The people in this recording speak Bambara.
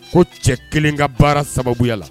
Ko cɛ kelen ka baara sababuya la